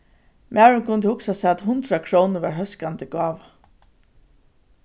maðurin kundi hugsað sær at hundrað krónur var hóskandi gáva